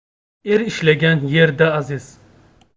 er ishlagan yerda aziz